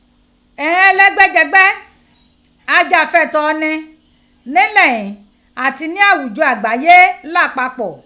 Ighan ẹlẹgbẹjẹgbẹ ajafẹtọ oni nilẹ ghin ati ni aghujọ agbaye lapapọ